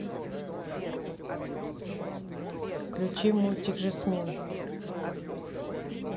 включи мультфильм жасмин